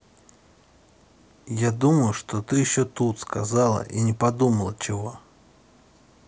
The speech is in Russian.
я думаю что ты еще тут сказала и не подумала чего